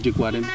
jik waa den